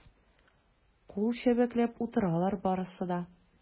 Кул чәбәкләп утыралар барысы да.